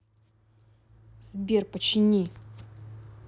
сбер почини